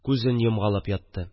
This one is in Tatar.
Күзен йомгалап ятты